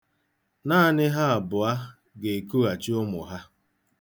Naanị ha abụọ ga-ekughachi ụmụ ha.